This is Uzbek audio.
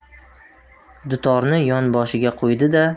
dutorni yonboshiga qo'ydi da